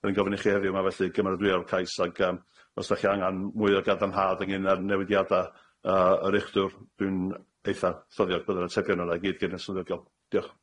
Rwy'n gofyn i chi heddiw 'ma felly gymeradwyo'r cais, ag yym os dach chi angan mwy o gadarnhad ynglŷn â'r newidiada' yy yr uchdwr, dwi'n eitha ffyddiog bod yr atebion yna i gyd gyn yr swyddogion. Diolch.